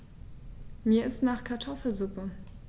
Mir ist nach Kartoffelsuppe.